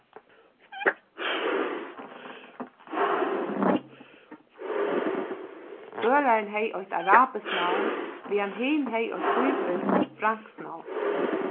førarin hevði eitt arabiskt navn meðan hin hevði eitt bíbilskt franskt navn